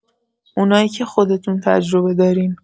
اونایی که خودتون تجربه دارین.